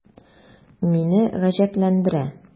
Мине гаҗәпләндерә: